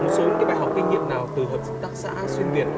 một số những cái bài học kinh nghiệm nào từ hợp tác xã xuyên việt